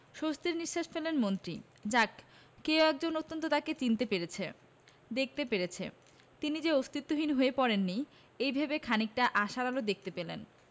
স্বস্তির নিশ্বাস ফেললেন মন্ত্রী যাক কেউ একজন অন্তত তাঁকে চিনতে পেরেছে দেখতে পেরেছে তিনি যে অস্তিত্বহীন হয়ে পড়েননি এই ভেবে খানিকটা আশার আলো দেখতে পেলেন